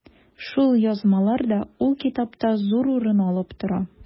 Шул язмалар да ул китапта зур урын алып тора.